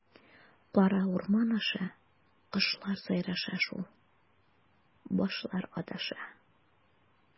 Кара урман аша, кошлар сайраша шул, башлар адаша.